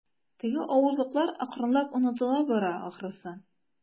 Теге авырлыклар акрынлап онытыла бара, ахрысы.